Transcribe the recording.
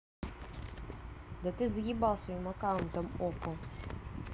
да ты заебал своим аккаунтом okko